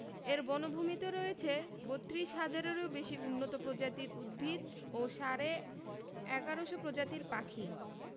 এর বনভূমিতে রয়েছে ৩২ হাজারেরও বেশি উন্নত প্রজাতির উদ্ভিত ও সাড়ে ১১শ প্রজাতির পাখি